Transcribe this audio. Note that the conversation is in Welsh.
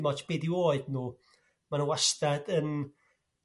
dim ots be' 'dyw oed nhw ma'n nhw wastad yn